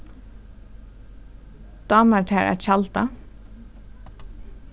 dámar tær at tjalda